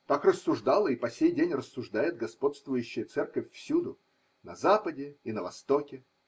Так рассуждала и по сей день рассуждает господствующая церковь всюду на Западе и на Востоке.